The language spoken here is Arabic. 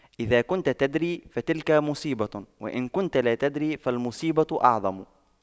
إذا كنت تدري فتلك مصيبة وإن كنت لا تدري فالمصيبة أعظم